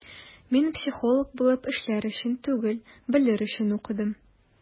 Мин психолог булып эшләр өчен түгел, белер өчен укыдым.